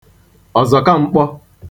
Ọ̀zọ̀kam̄kpọ̄